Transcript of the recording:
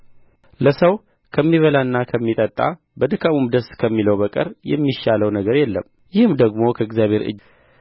ለሰው ከሚበላና ከሚጠጣ በድካሙም ደስ ከሚለው በቀር የሚሻለው ነገር የለም ይህም ደግሞ ከእግዚአብሔር እጅ